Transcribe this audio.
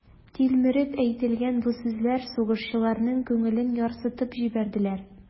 Тилмереп әйтелгән бу сүзләр сугышчыларның күңелен ярсытып җибәрделәр.